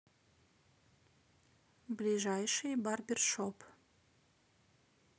ближайший барбершоп